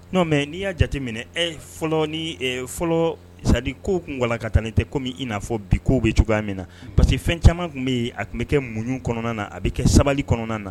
N' mɛ n'i y'a jate minɛ e fɔlɔ fɔlɔ sadi ko tun wala ka taa tɛ kɔmi in n'afɔ bi ko bɛ cogoya min na parce que fɛn caman tun bɛ yen a tun bɛ kɛ munɲ kɔnɔna na a bɛ kɛ sabali kɔnɔna na